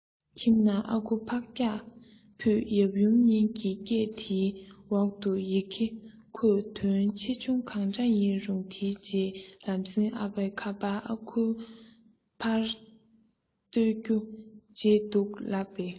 ཁྱིམ ནང ཨ ཁུ ཕག སྐྱག ཕུད ཡབ ཡུམ གཉིས ཀྱི སྐད དེའི འོག ཏུ ཡི གེ ཁོས དོན ཆེ ཆུང གང འདྲ ཡིན རུང དེའི རྗེས ལམ སེང ཨ ཕ ལ ཁ པར ཨ ཁུས པར བཏོན རྒྱུ བརྗེད འདུག ལབ པས